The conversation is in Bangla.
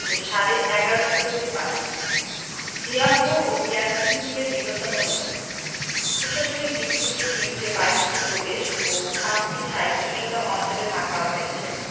ও সাড়ে ১১শ পজাতির পাখি হিয়াংহো ও ইয়াংসিং চীনের বিহত্তম নদী পশাসনিক দিক থেকে চিনকে ২২ টি প্রদেশ ও ৫ টি স্বায়ত্তশাসিত অঞ্চলে ভাগ করা হয়েছে